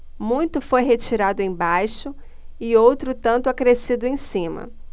muito foi retirado embaixo e outro tanto acrescido em cima